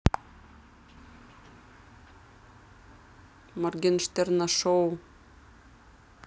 моргенштерн на шоу